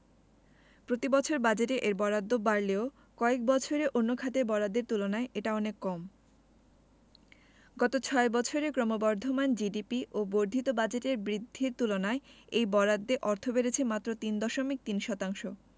প্রতিবছর বাজেটে এর বরাদ্দ বাড়লেও কয়েক বছরে অন্য খাতের বরাদ্দের তুলনায় এটা অনেক কম গত ছয় বছরে ক্রমবর্ধমান জিডিপি ও বর্ধিত বাজেটের বৃদ্ধির তুলনায় এই বরাদ্দে অর্থ বেড়েছে মাত্র তিন দশমিক তিন শতাংশ